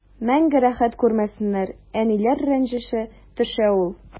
Мәңге рәхәт күрмәсеннәр, әниләр рәнҗеше төшә ул.